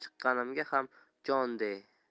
chiqqanimga ham jon de